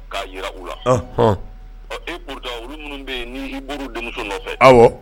Ɔn nɔfɛ